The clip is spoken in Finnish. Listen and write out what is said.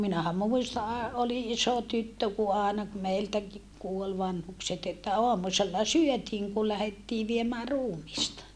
minähän muistan - olin iso tyttö kun aina kun meiltäkin kuoli vanhukset että aamusella syötiin kun lähdettiin viemään ruumista